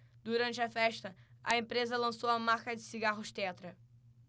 durante a festa a empresa lançou a marca de cigarros tetra